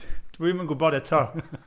Dwi'm yn gwbod eto.